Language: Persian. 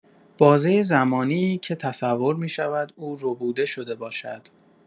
بازه زمانی‌ای که تصور می‌شود او ربوده شده باشد.